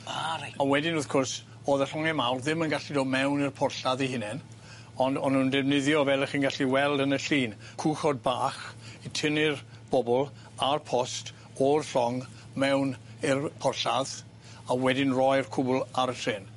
A reit. A wedyn wrth cwrs o'dd y llonge mawr ddim yn gallu dod mewn i'r porthlladd eu hunen ond o'n nw'n defnyddio fel 'ych chi'n gallu weld yn y llun cwchod bach i tynnu'r bobl a'r post o'r llong mewn i'r porthlladd a wedyn roi'r cwbl ar y trên.